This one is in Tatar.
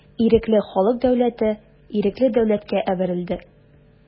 Ирекле халык дәүләте ирекле дәүләткә әверелде.